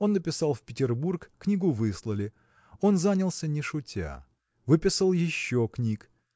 он написал в Петербург, книгу выслали. Он занялся не шутя. Выписал еще книг.